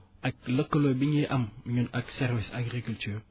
ak lëkkaloo bi ñuy am ñun ak service agriculture